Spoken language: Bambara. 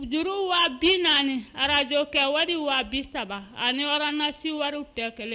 Juru wa bi naani radio kɛ wari wa bi saba ani ordonnance wariw tɛ kelen ye.